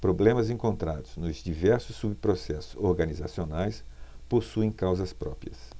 problemas encontrados nos diversos subprocessos organizacionais possuem causas próprias